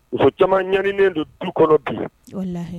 Muso caman ɲaninen don du kɔnɔ bi, wallahi